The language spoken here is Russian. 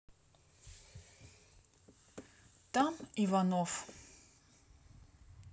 там иванов